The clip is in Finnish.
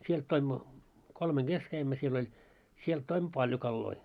sieltä toimme kolmen kesken kävimme siellä oli sieltä toimme paljon kaloja